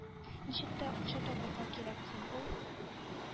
Ничек тә акча табарга кирәк, һәм ул